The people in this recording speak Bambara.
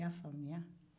i y'a faamuya